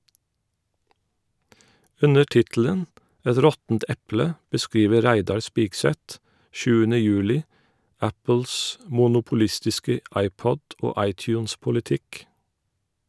Under tittelen «Et råttent eple» beskriver Reidar Spigseth 7. juli Apples monopolistiske iPod- og iTunes-politikk.